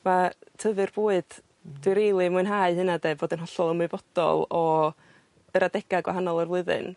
Ma' tyfu'r bwyd... Hmm. ...dwi rili mwynhau hynna 'de fod yn hollol ymwybodol o yr adega gwahanol o'r flwyddyn.